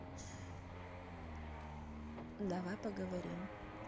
давайте поговорим